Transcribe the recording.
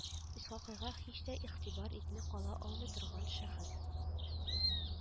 Исхакыйга һич тә игътибар итми кала алмый торган шәхес